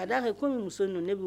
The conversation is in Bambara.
A'a kɛ ko n bɛ muso